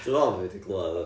Dwi meddwl bo' fi 'di clywad o